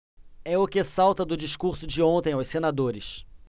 é o que salta do discurso de ontem aos senadores